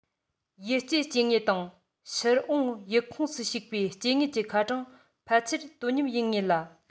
ཡུལ སྐྱེས སྐྱེ དངོས དང ཕྱི འོངས ཡུལ ཁོངས སུ ཞུགས པའི སྐྱེ དངོས ཀྱི ཁ གྲངས ཕལ ཆེར དོ མཉམ ཡིན ངེས ལ